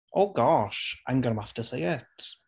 Oh gosh, I'm gonna have to say it.